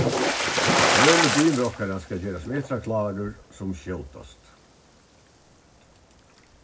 grøni bilur okkara skal gerast vetrarklárur sum skjótast